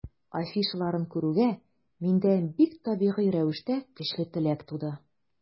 Афишаларын күрүгә, миндә бик табигый рәвештә көчле теләк туды.